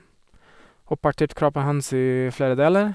Og parterte kroppen hans i flere deler.